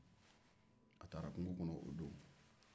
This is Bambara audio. a taara kungo kɔno o don